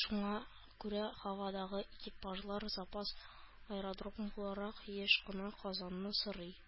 Шуңа күрә һавадагы экипажлар запас аэродром буларак еш кына Казанны сорый